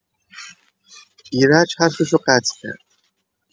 ایرج حرفشو قطع کرد.